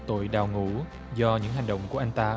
tội đào ngũ do những hành động của anh ta